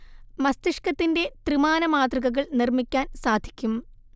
മസ്തിഷ്കത്തിന്റെ ത്രിമാന മാതൃകകൾ നിർമ്മിക്കാൻ സാധിക്കും